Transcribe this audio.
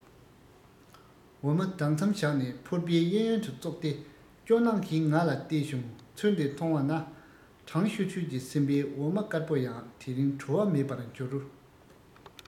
འོ མ ལྡག མཚམས བཞག ནས ཕོར པའི གཡས གཡོན དུ ཙོག སྟེ སྐྱོ སྣང གིས ང ལ བལྟས བྱུང ཚུལ འདི མཐོང བ ན གྲང ཤུར ཤུར གྱི སེམས པས འོ མ དཀར པོ ཡང དེ རིང བྲོ བ མེད པར འགྱུར